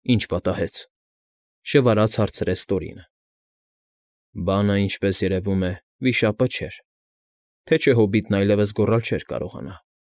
Ի՞նչ պատահեց,֊ շվարած հարցրեց Տորինը։֊ Բանը, ինչպես երևում է, վիշապը չէր, թե չէ հոբիտը այլևս գոռալ չէր կարողանա։